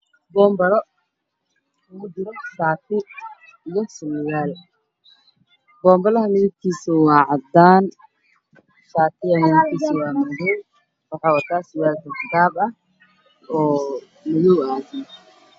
Pompelo ku jiro shaati iyo surwaal boomlaha midabkiisu waa caddaan shaatiga waa madow si walku wacdaan